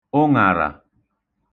ụṅàrà